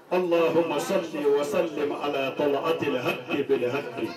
Ala masa wa ala ta aw tɛ hakilib ha